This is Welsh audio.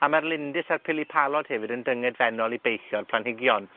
A ma'r lindys a'r pilipalod hefyd yn dyngedfennol i beillio'r planhigion.